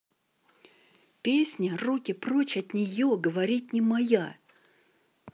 песня руки прочь от нее говорить не моя